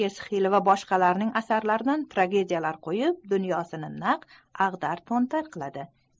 esxil va boshqalarning asarlaridan tragediyalar qo'yib dunyosini naq ag'dar to'ntar qiladi